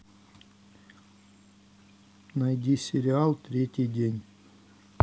найди сериал третий день